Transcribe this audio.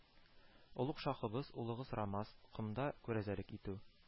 Олуг шаһыбыз, улыгыз рамаз комда күрәзәлек итү